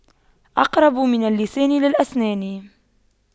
أقرب من اللسان للأسنان